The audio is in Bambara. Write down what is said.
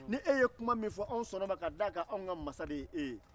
ni e ye kuma min fɔ an sɔnna o ma sabula ka d'a kan an ka masa de ye e ye